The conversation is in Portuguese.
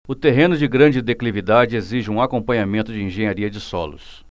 o terreno de grande declividade exige um acompanhamento de engenharia de solos